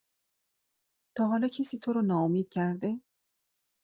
تا حالا کسی تو رو ناامید کرده؟